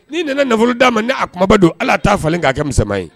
Ni nana nafolo d'a ma n' a kumaba don ala t'a falen k'a kɛ masa ye